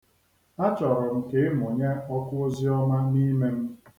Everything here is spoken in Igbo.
A chọrọ m ka ịmụnye ọkụ ozioma n'ime m.